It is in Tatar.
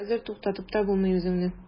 Хәзер туктатып та булмый үзеңне.